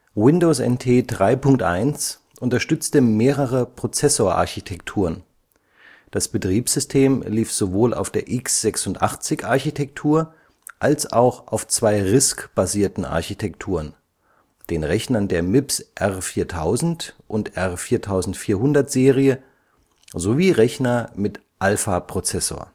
Windows NT 3.1 unterstützte mehrere Prozessor-Architekturen. Das Betriebssystem lief sowohl auf der x86-Architektur als auch auf zwei RISC-basierten Architekturen: den Rechnern der MIPS R4000 - und R4400-Serie sowie Rechner mit Alpha-Prozessor